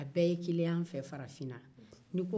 a bɛɛ ye kelen ye an fɛ yan farafinna